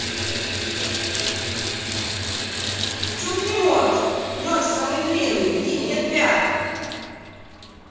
почему ты не можешь мелочи самые длинные митине нет пять